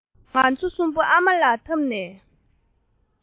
ང ཚོ གསུམ པོ ཨ མ ལ འཐམས ནས